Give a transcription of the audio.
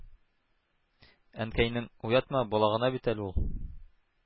Әнкәйнең: ”Уятма, бала гына бит әле ул,